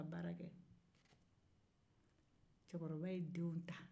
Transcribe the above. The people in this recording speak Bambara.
cɛkɔrɔba ye denw ta